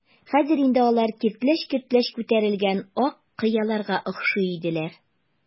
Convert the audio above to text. Хәзер инде алар киртләч-киртләч күтәрелгән ак кыяларга охшый иделәр.